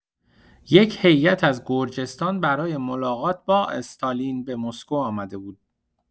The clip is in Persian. یک هیئت از گرجستان برای ملاقات با استالین به مسکو آمده بود.